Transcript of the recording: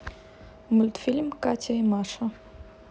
мультфильм катя и маша